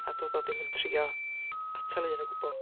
A doedd o ddim yn trio atal ei hun o gwbl.